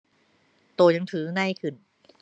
ตัวหนังสือใหญ่ขึ้น